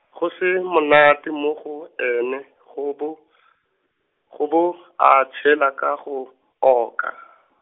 go se monate mo go ene, go bo , go bo, a tshela ka go, oka.